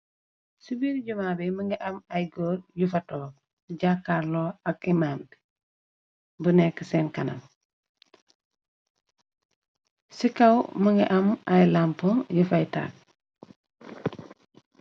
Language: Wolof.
Ci biir jumaa be më nga am ay góor yu fatok jàakaarloo ak imaam bi bu nekk seen kanam ci kaw mu nga am ay lampo yu fay taka.